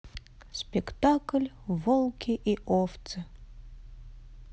спектакль волки и овцы